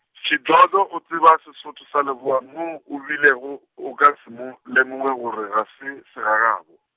Shidondho o tseba Sesotho sa leboa mo o bilego, o ka se mo, lemoge gore ga se, segagabo.